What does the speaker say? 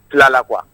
Tilala quoi